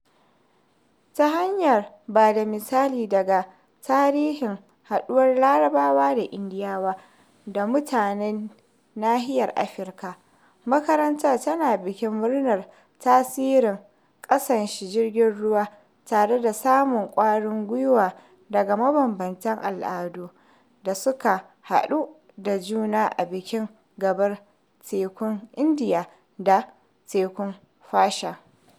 Ta hanyar ba da misali daga tarihin haɗuwar Larabawa da Indiyawa da mutanen nahiyar Afirka, makarantar tana bikin murnar tasirin "ƙasashen jirgin ruwa" tare da samun ƙwarin gwiwa daga mabambamtan al'adu da suka haɗu da juna a bakin gaɓar Tekun Indiya da Tekun Fasha.